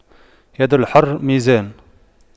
يد الحر ميزان